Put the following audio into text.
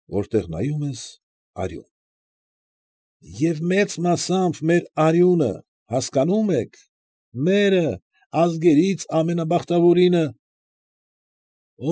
Որտեղ նայում ես ֊ արյու՛ն։ ֊ Եվ մեծ մասամբ մեր արյունը, հասկանո՞ւմ եք, մե՛րը, ազգերից ամենաբախտավորինը։